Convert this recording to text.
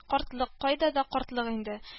Картлык кайда да картлык инде